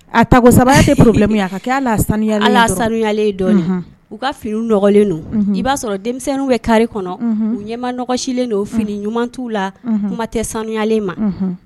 A tako 3 nan tɛ problème ye a ka kɛ hali a sanuyalen ye dɔɔni u ka fini nɔgɔlen don i b'a sɔrɔ denmisɛnninw bɛ carré kɔnɔ u ɲɛmanɔgɔsilen don fini ɲuman t'u la kuma tɛ sanuyalen ma.